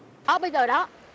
đó bây giờ đó